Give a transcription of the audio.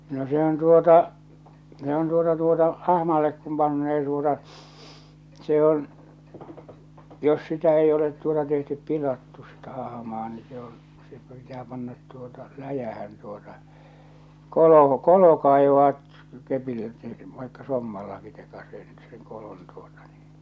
no se on tuota se on tuota tuota ahmalle kun panee tuota se on jos sitä ei ole tuota tehty pilattu sitä ahmaa niin se on se pitää panna tuota läjään tuota kolo kolo kaivaa kepillä että ei se vaikka sommallakin tekaisisit sen kolon tuota niin